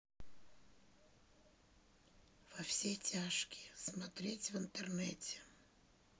во все тяжкие смотреть в интернете